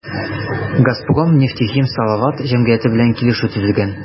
“газпром нефтехим салават” җәмгыяте белән килешү төзелгән.